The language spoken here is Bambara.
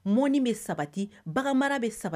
Mɔni bɛ sabati bagan marara bɛ sabati